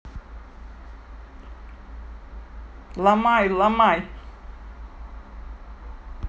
ломай ломай